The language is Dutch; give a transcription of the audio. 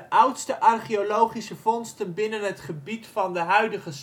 oudste archeologische vondsten binnen het gebied van de huidige